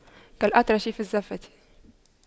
كالأطرش في الزَّفَّة